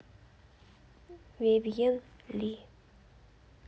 вивьен ли